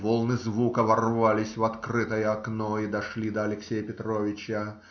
волны звука ворвались в открытое окно и дошли до Алексея Петровича.